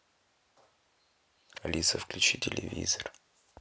алиса включи телевизор